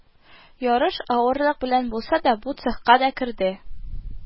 Ярыш авырлык белән булса да бу цехка да керде